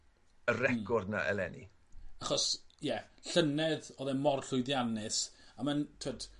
y record 'na eleni. Achos ie llynedd odd e mor llwyddiannus a ma'n t'od